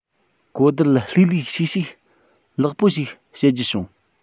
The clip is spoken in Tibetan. གོ བསྡུར ལྷུག ལྷུག ཤིག ཤིག ལེགས པོ ཞིག བྱེད རྒྱུ བྱུང